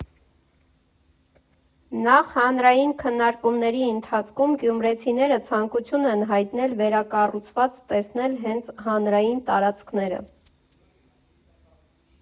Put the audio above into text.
Նախ՝ հանրային քննարկումների ընթացքում գյումրեցիները ցանկություն են հայտնել վերակառուցված տեսնել հենց հանրային տարածքները։